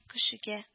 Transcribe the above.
Кешегә